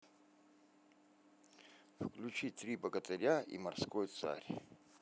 включи три богатыря и морской царь